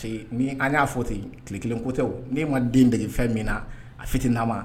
An y'a fɔ ten tile kelen kotɛ ni ma den dege fɛn min na a fit n'a ma